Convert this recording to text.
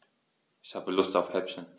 Ich habe Lust auf Häppchen.